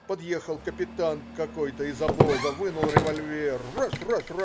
Подъехал капитан какой-то из обоза, вынул револьвер. раз. раз.